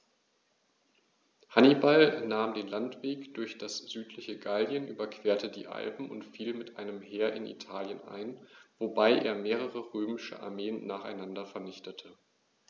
Hannibal nahm den Landweg durch das südliche Gallien, überquerte die Alpen und fiel mit einem Heer in Italien ein, wobei er mehrere römische Armeen nacheinander vernichtete.